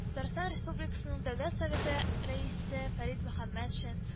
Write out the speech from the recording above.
Татарстан Республикасының Дәүләт Советы Рәисе Фәрит Мөхәммәтшин